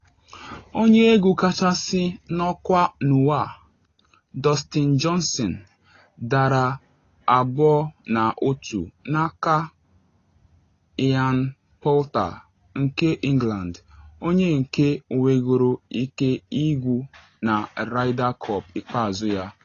Onye egwu kachasị n’ọkwa n’ụwa, Dustin Johnson, dara 2 na 1 n’aka Ian Poulter nke England onye nke nwegoro ike igwu na Ryder Cup ikpeazụ ya.